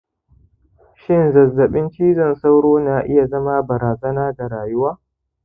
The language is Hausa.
shin zazzaɓin cizon sauro na iya zama barazana ga rayuwa